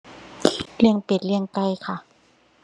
เลี้ยงเป็ด เลี้ยงไก่ค่ะ